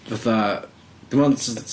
Fatha dim ond t- s-...